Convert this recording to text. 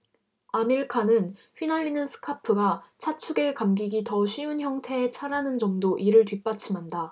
아밀카는 휘날리는 스카프가 차축에 감기기 더 쉬운 형태의 차라는 점도 이를 뒷받침한다